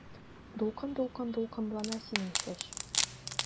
Дулкын-дулкын дулкынлана синең чәч.